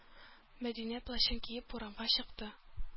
Мәдинә плащын киеп урамга чыкты.